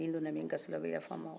ne n donna min gasi la o bɛ yafa n ma